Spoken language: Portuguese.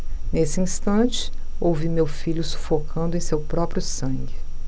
nesse instante ouvi meu filho sufocando em seu próprio sangue